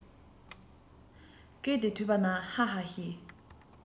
སྐད དེ ཐོས པ ན ཧ ཧ ཞེས